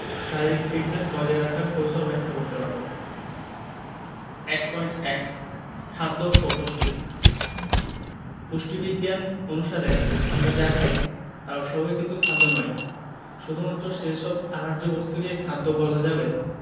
শারীরিক ফিটনেস বজায় রাখার কৌশল ব্যাখ্যা করতে পারব ১.১ খাদ্য ও পুষ্টি পুষ্টিবিজ্ঞান অনুসারে আমরা যা খাই তার সবই কিন্তু খাদ্য নয় শুধুমাত্র সেই সব আহার্য বস্তুকেই খাদ্য বলা যাবে